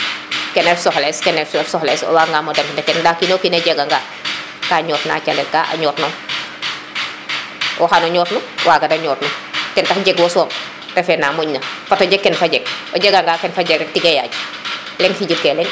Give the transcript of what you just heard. kene ref soxla es kene ref soxla es waga ngamo damit no calel nda kino kin jega nga ka ñoot na calel ka a ñoot nong wo xayo ñoot nu waga de ñoot nu ten tax jeg wo soom refe na moƴ na fato jeg o ken fa jeg o jega nga o ken fa jeg rek tige yaaj o leŋ xijil ke leŋ